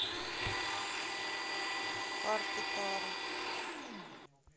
карты таро